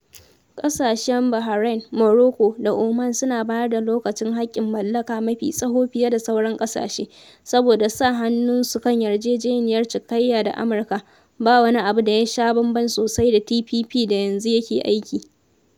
Ƙasashen Bahrain, Morocco, da Oman suna bayar da lokacin haƙƙin mallaka mafi tsawo fiye da sauran ƙasashe, saboda sa hannunsu kan yarjejeniyar cinikayya da Amurka, ba wani abu da yasha bamban sosai da TPP da yanzu yake aiki.